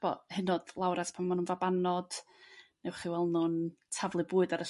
bo hy' yn o'd lawr at pan ma' nhw'n fabanod newch chi weld nhw'n taflu bwyd ar y